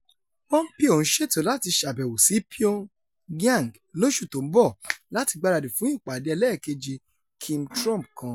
Pompeo ńṣètò láti ṣàbẹ̀wò sí Pyongyang lóṣù tó ń bọ láti gbaradì fún ìpàdé ẹlẹ́ẹ̀kejì Kim-Trump kan.